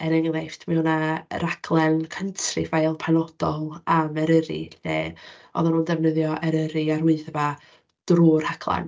Er enghraifft, mi oedd 'na raglen Countryfile penodol am Eryri, lle oedden nhw'n defnyddio Eryri a'r Wyddfa drwy'r rhaglen.